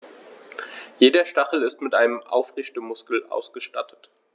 Jeder Stachel ist mit einem Aufrichtemuskel ausgestattet.